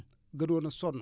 gënoon a sonn